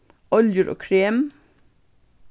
oljur og krem